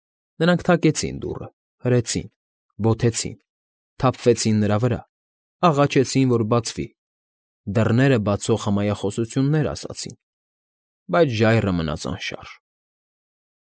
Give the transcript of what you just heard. Նրանք թակեցին դուռը, հրեցին, բոթեցին, թափվեցին վրա վրա, աղաչեցին, որ բացվի, դռները բացող հմայախոսություններ ասացին, բայց ժայռը մնաց անշարժ։